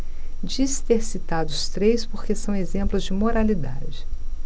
disse ter citado os três porque são exemplos de moralidade